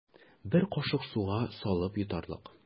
Бер кашык суга салып йотарлык.